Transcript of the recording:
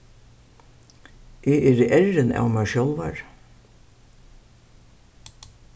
eg eri errin av mær sjálvari